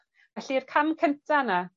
Felly'r cam cynta yna,